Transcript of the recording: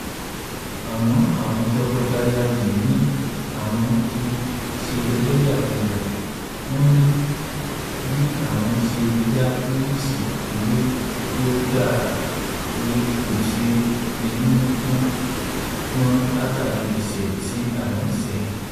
Àmọ́ àwọn tọkọtaya yìí ní àwọn kì í ṣe ẹlẹ́yàmẹyà. Wọ́n ní bí àwọn ṣe dá Maurice dúró ló da torí kò ṣé e fi inú tán án mọ́ látàrí ẹ̀sẹ̀ tí á̀wọn ṣẹ̀ ẹ́.